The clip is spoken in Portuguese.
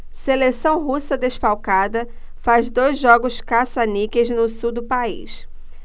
seleção russa desfalcada faz dois jogos caça-níqueis no sul do país